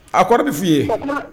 A kɔrɔ bɛ f'i ye